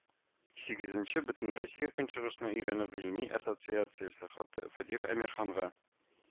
Сигезенче бөтенроссия көнчыгышны өйрәнү гыйльми ассоциациясе хаты фатих әмирханга